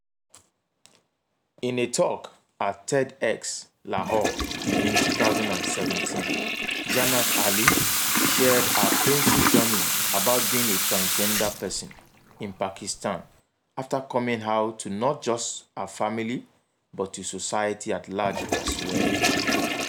In a talk at TEDxLahore in 2017, Jannat Ali shared her painful journey about being a transgender person in Pakistan after coming out to not just her family but to society at large as well.